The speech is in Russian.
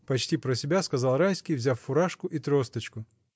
— почти про себя сказал Райский, взяв фуражку и тросточку.